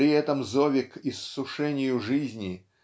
при этом зове к иссушению жизни